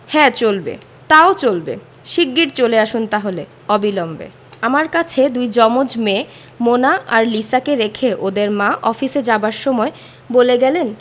হ্যাঁ চলবে তাও চলবে শিগগির চলে আসুন তাহলে অবিলম্বে আমার কাছে দুই জমজ মেয়ে মোনা আর লিসাকে রেখে ওদের মা অফিসে যাবার সময় বলে গেলেন